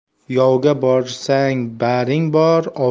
yovga borsang baring bor